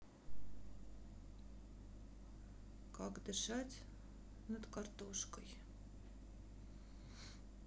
как дышать над картошкой